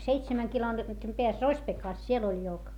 seitsemän kilometrin päässä Rospekassa siellä oli joki